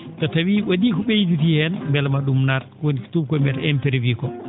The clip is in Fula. so tawii wa?ii ko ?eyditii heen mbela maa ?um nar woni ko tuubakoo?e mbiyata imprévu ko